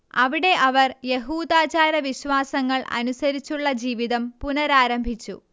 അവിടെ അവർ യഹൂദാചാരവിശ്വാസങ്ങൾ അനുസരിച്ചുള്ള ജീവിതം പുനരാരംഭിച്ചു